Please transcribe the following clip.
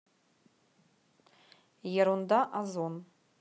ерунда озон